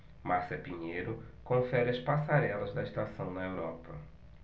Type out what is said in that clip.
márcia pinheiro confere as passarelas da estação na europa